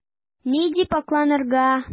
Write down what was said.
Ни дип акланырга?